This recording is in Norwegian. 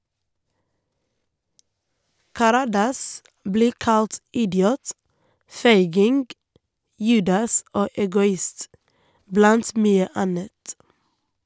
Karadas blir kalt idiot, feiging, judas og egoist - blant mye annet.